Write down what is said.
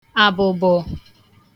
àbụ̀bọ̀